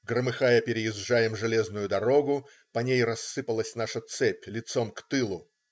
Громыхая, переезжаем железную дорогу, по ней рассыпалась наша цепь лицом к тылу.